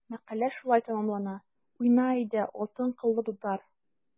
Мәкалә шулай тәмамлана: “Уйна, әйдә, алтын кыллы дутар!"